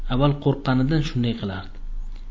vval qurqqanidan shunday qilardi